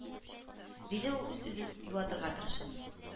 Диде ул үз-үзен юатырга тырышып